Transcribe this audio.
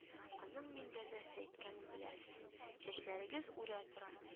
- аның миндә нәрсә әйткәнен белсез, чәчләрегез үрә тора